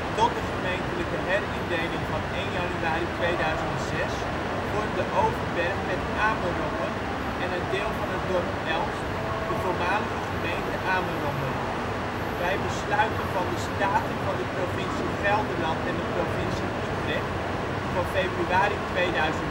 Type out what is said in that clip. Tot de gemeentelijke herindeling van 1 januari 2006 vormde Overberg met Amerongen en een deel van het dorp Elst, de voormalige gemeente Amerongen. Bij besluiten van de Staten van de Provincie Gelderland en de Provincie Utrecht van februari 2008 is